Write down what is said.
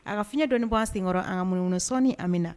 A ka fiɲɛ dɔnniɔnin bɔ senkɔrɔ an ka munumunu sɔnɔni amina na